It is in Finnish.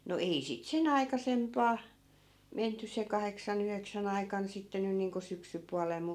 no ei sitten sen aikaisempaan menty se kahdeksan yhdeksän aikana sitten nyt niin kuin syksypuolella mutta